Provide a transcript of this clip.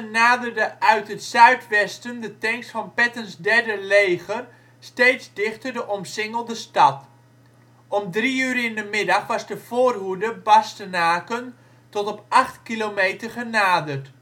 naderden uit het zuidwesten de tanks van Pattons 3e leger steeds dichter de omsingelde stad. Om drie uur in de middag was de voorhoede Bastenaken tot op acht kilometer genaderd